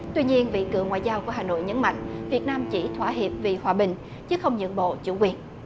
tuy nhiên vị cựu ngoại giao của hà nội nhấn mạnh việt nam chỉ thỏa hiệp vì hòa bình chứ không nhượng bộ chủ quyền